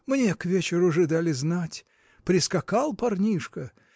Мне к вечеру же дали знать: прискакал парнишко